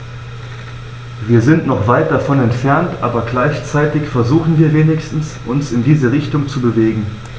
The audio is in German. Wir sind noch weit davon entfernt, aber gleichzeitig versuchen wir wenigstens, uns in diese Richtung zu bewegen.